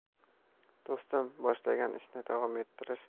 do'stim boshlagan ishni davom ettirish